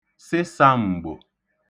sịsām̀gbò